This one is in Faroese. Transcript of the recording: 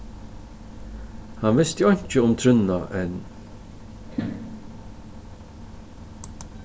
hann visti einki um trúnna enn